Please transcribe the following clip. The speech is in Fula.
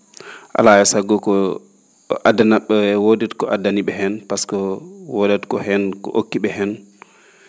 alaa e sago ko addanat woodi ko addani ?e heen par ce que woodat ko heen ko okki ?e heen